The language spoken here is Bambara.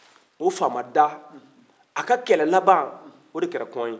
o faama da a ka kɛlɛ laban o de kɛra kɔn ye